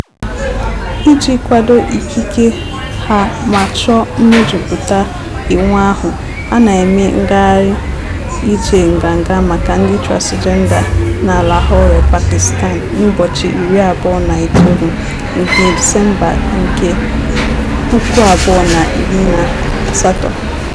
Iji kwado ikike ha ma chọọ mmejupụta iwu ahụ, a na-eme Ngagharị Ije Nganga Maka Ndị Transịjenda na Lahore, Pakistan n'ụbọchị 29 nke Dịsemba 2018.